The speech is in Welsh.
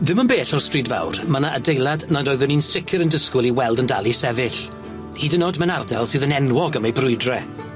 Dim yn bell o'r stryd fawr, my' 'ny adeilad nad oeddwn i'n sicir yn disgwl i weld yn dal i sefyll, hyd yn o'd mewn ardal sydd yn enwog am ei brwydre.